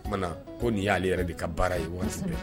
Oumana ko n nin y'ale yɛrɛ de ka baara ye waati